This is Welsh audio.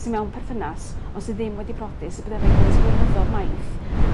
sy mewn perthynas ond sy ddim wedi prodi sy bod efo'i gilydd 's blynyddoedd maith